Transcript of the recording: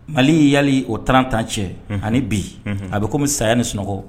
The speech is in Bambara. Mali y yali o taaratan cɛ ani bi a bɛ komi saya ni sunɔgɔ